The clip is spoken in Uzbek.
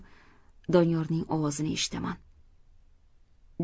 doniyorning ovozini eshitaman